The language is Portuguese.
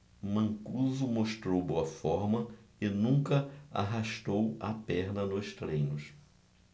mancuso mostrou boa forma e nunca arrastou a perna nos treinos